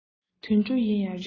དུད འགྲོ ཡིན ཡང རིགས མཐུན རྣམས